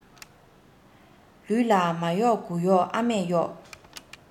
ལུས ལ མ གཡོགས དགུ གཡོགས ཨ མས གཡོགས